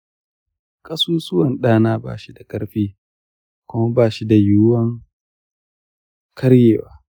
ƙasusuwan dana bashi da karfi kuma bashi da wiyan karyewa.